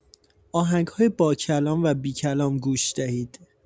آهنگ‌های باکلام و بی‌کلام گوش دهید.